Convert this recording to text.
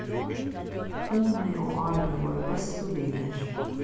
uni og ári vóru bestu vinir